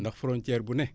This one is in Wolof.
ndax frontière bu ne